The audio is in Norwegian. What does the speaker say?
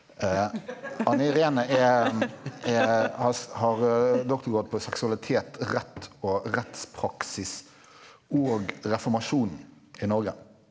Anne Irene er er har har doktorgrad på seksualitet, rett og rettspraksis og reformasjonen i Norge.